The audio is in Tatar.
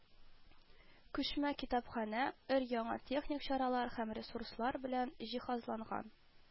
Күчмә китапханә өр-яңа техник чаралар һәм ресурслар белән җиһазланган